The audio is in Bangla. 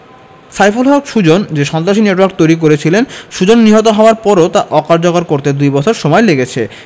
সাইফুল হক সুজন যে সন্ত্রাসী নেটওয়ার্ক তৈরি করেছিলেন সুজন নিহত হওয়ার পরও তা অকার্যকর করতে দুই বছর সময় লেগেছে